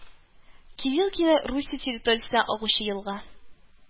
Кирилкина Русия территориясеннән агучы елга